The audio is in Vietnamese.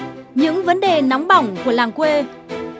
những vấn đề nóng bỏng của làng quê